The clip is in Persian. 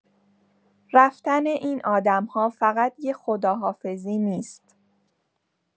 رفتن این آدم‌ها فقط یه خداحافظی نیست.